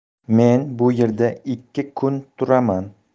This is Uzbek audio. men bu yerda ikki kun turaman